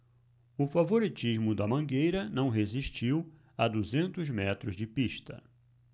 o favoritismo da mangueira não resistiu a duzentos metros de pista